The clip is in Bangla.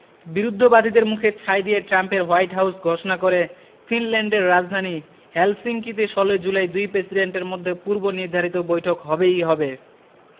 বিরুদ্ধবাদীদের মুখে ছাই দিয়ে ট্রাম্পের হোয়াইট হাউস ঘোষণা করে ফিনল্যান্ডের রাজধানী হেলসিঙ্কিতে ১৬ ই জুলাই দুই প্রেসিডেন্টের মধ্যে পূর্বনির্ধারিত বৈঠকটি হবেই হবে